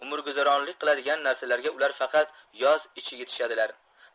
umrguzaronlik qiladigan narsalarga ular faqat yoz ichi yetishadilar